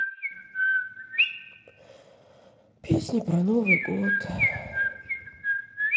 песни про новый год